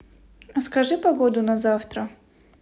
а скажи погоду на завтра